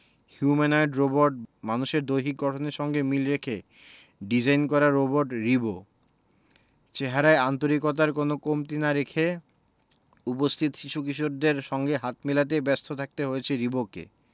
humanoid robot মানুষের দৈহিক গঠনের সঙ্গে মিল রেখে ডিজাইন করা রোবট রিবো চেহারায় আন্তরিকতার কোনো কমতি না রেখে উপস্থিত শিশু কিশোরদের সঙ্গে হাত মেলাতেই ব্যস্ত থাকতে হয়েছে রিবোকে